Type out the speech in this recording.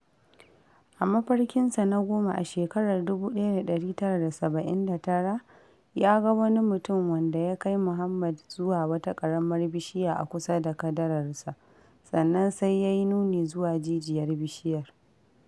A mafarkinsa na goma a shekarar 1979, ya ga wani mutum wanda ya kai Mohammad zuwa wata ƙaramar bishiya a kusa da kadararsa, sannan sai ya yi nuni zuwa jijiyar bishiyar.